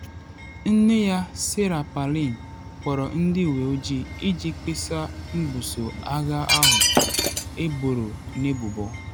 Nne ya, Sarah Palin, kpọrọ ndị uwe ojii iji kpesa mbuso agha ahụ eboro n’ebubo.